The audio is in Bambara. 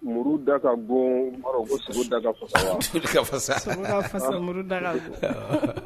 Muru da ka bon da